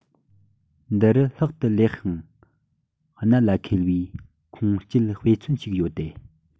འདི རུ ལྷག ཏུ ལེགས ཤིང གནད ལ འཁེལ བའི ཁུངས སྐྱེལ དཔེ མཚོན ཞིག ཡོད དེ